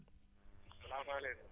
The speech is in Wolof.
salaamaaleykum